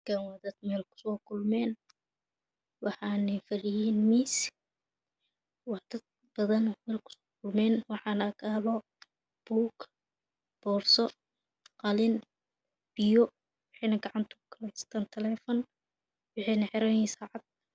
Dadka waa dad mel kusoo kulmeen waxana wexena kala yihiin mis waxana talo bug borso qalin